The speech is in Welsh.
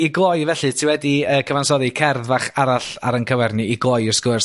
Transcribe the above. I gloi felly, ti wedi yy cyfansoddi cerdd fach arall ar ein cyfar ni i gloi y sgwrs